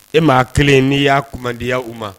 E maa kelen n'i y'a kuman diya u ma.